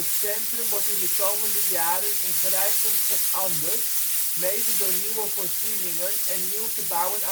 centrum wordt in de komende jaren ingrijpend veranderd, mede door nieuwe voorzieningen en nieuw te bouwen